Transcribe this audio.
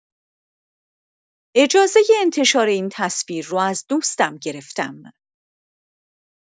اجازه انتشار این تصویر رو از دوستم گرفتم.